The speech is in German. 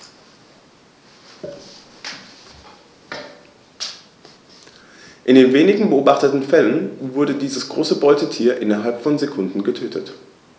In den wenigen beobachteten Fällen wurden diese großen Beutetiere innerhalb von Sekunden getötet.